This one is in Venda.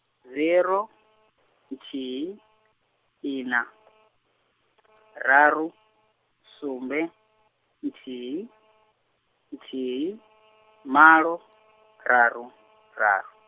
zero , nthihi, ina , raru, sumbe, nthihi, nthihi, malo, raru, raru.